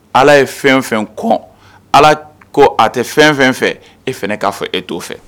Ala ye fɛn fɛn kɔ ala ko a tɛ fɛn fɛn fɛ e fana k'a fɔ e t'o fɛ